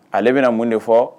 Ale bɛna na mun de fɔ